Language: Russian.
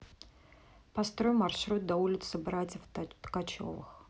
построй маршрут до улицы братьев ткачевых